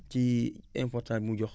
ci importance bi mu jox